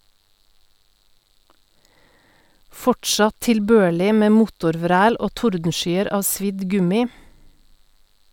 Fortsatt tilbørlig med motorvræl og tordenskyer av svidd gummi.